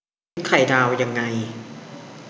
พลิกไข่ดาวยังไง